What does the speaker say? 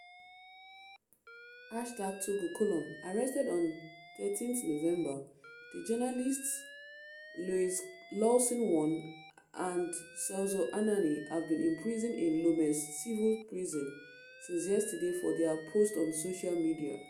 #Togo: arrested on 13/11, the journalists @loiclawson1 and @SossouAnani have been imprisoned in Lomé’s civil prison since yesterday for their posts on social media.